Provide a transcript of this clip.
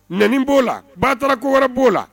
Nɛni b'o la batard ko wɛrɛ b'o la